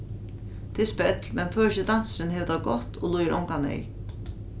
tað er spell men føroyski dansurin hevur tað gott og líðir onga neyð